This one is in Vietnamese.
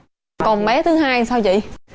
còn bé thứ hai sao chị